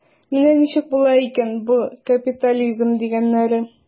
Менә ничек була икән бу капитализм дигәннәре.